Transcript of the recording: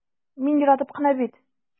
Мин яратып кына бит...